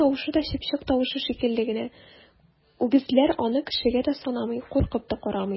Аның тавышы да чыпчык тавышы шикелле генә, үгезләр аны кешегә дә санамый, куркып та карамый!